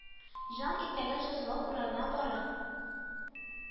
Җан иртәгә җәзалау урынына барыр